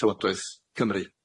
Llywodraeth Cymru.